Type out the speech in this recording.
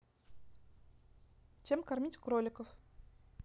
чем кормить кроликов